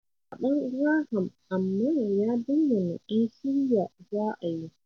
Zaben Graham, amma, ya bayyana an shirya za a yi.